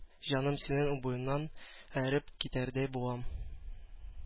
Җаным, синең үбүеңнән эреп китәрдәй булам.